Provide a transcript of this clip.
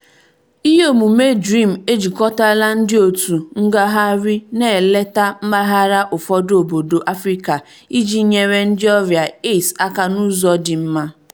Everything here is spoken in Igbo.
GV: Iheomume DREAM ejikọtala ndịotu ngagharị na-eleta mpaghara ụfọdụ obodo Afrịka iji nyere ndịọrịa AIDS aka n'ụzọ dị mma.